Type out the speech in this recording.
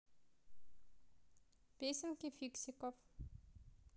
песенки фиксиков